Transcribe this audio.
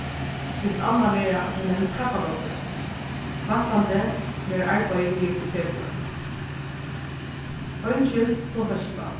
millum annað verða tey nevnd krabbagoggur væntandi verður arbeiðið liðugt í februar einskild flotaskipan